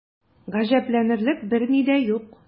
Гаҗәпләнерлек берни дә юк.